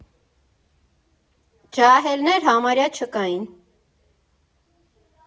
Ջահելներ համարյա չկային.